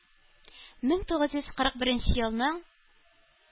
Мең тугыз йөз кырык беренче елның